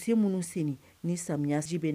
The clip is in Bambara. Se minnu sen ni samiyasin bɛ